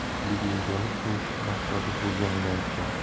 puliga egalik qilish maqsadi bo'lganini aytgan